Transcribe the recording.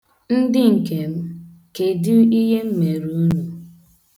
Ndị nkem, kedụ ihe m mere unu?